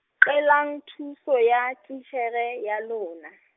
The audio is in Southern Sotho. qelang, thuso ya, titjhere ya lona.